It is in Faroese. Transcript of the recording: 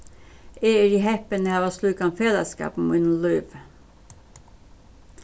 eg eri heppin at hava slíkan felagsskap í mínum lívi